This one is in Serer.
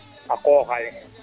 a qooq ale